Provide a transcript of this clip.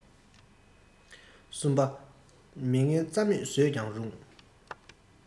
གསུམ པ མི ངན རྩ མེད བཟོས ཀྱང རུང